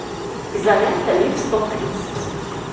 изолента лив сто тридцать